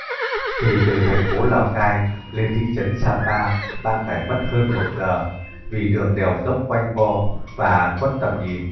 thì từ tp lào cai lên thị trấn sapa bạn phải mất hơn giờ vì đường đèo dốc quanh co và khuất tầm nhìn